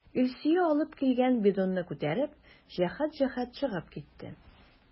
Илсөя алып килгән бидонны күтәреп, җәһәт-җәһәт чыгып китте.